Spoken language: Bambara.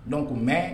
Donc mais